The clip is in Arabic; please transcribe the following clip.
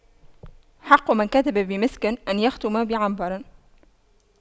حق من كتب بمسك أن يختم بعنبر